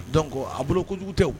Don ko a bolo ko kojugu tɛw